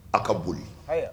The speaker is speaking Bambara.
A' ka boli